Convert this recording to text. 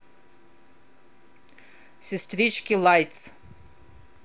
сестрички лайтс